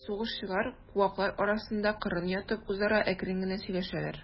Сугышчылар, куаклар арасында кырын ятып, үзара әкрен генә сөйләшәләр.